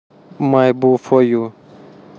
my boo for you